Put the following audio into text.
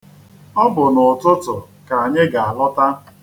Ọ bụ n'ụtụtụ ka anyị ga-alọta.